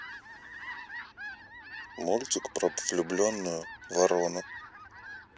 мультик про влюбленную ворону